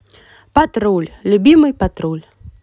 патруль любимый патруль